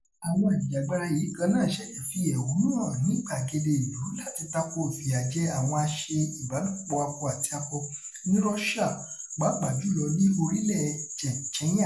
Àwọn ajìjàǹgbara yìí kan náà ṣẹ̀ṣẹ̀ fi ẹ̀hónú hàn ní gbàgede ìlú láti tako ìfìyàjẹ àwọn aṣe-ìbálòpọ̀-akọ-àti-akọ ní Russia, pàápàá jùlọ ní orílẹ̀ Chechnya.